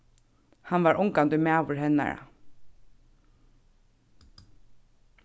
hann var ongantíð maður hennara